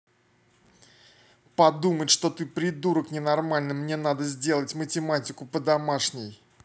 подумать что ты придурок ненормальный мне надо сделать математику по домашней